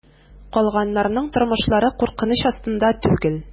Калганнарның тормышлары куркыныч астында түгел.